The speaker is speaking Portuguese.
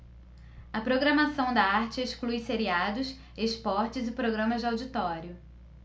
a programação da arte exclui seriados esportes e programas de auditório